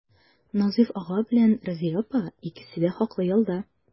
Назыйф ага белән Разыя апа икесе дә хаклы ялда.